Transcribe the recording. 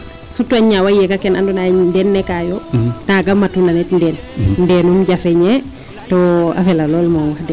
surtout a ñaaw a yeeg ke ne andoona yee ndeenum ka yooɓ jafeñee to a fela lool moom wax deg.